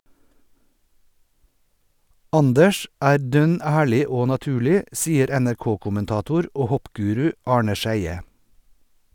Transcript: Anders er dønn ærlig og naturlig, sier NRK-kommentator og hoppguru Arne Scheie.